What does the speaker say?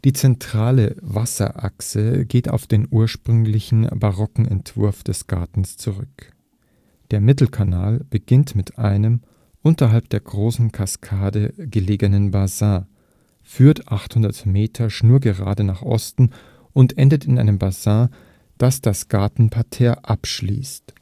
zentrale Wasserachse geht auf den ursprünglichen barocken Entwurf des Gartens zurück. Der Mittelkanal beginnt mit einem unterhalb der Großen Kaskade gelegenen Bassin, führt 800 Meter schnurgerade nach Osten und endet in einem Bassin, das das Gartenparterre abschließt